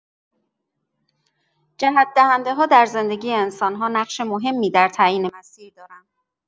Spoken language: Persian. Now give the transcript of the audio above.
جهت‌دهنده‌ها در زندگی انسان‌ها نقش مهمی در تعیین مسیر دارند.